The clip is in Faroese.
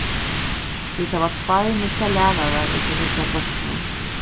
vit hava tveir nýggjar lærarar í tí nýggja flokkinum